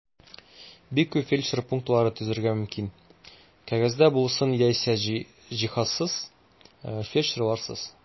Бик күп фельдшер пунктлары төзергә мөмкин (кәгазьдә булсын яисә җиһазсыз, фельдшерларсыз).